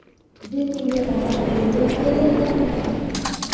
Без инде аңа килеп тә җитә язганбыз икән.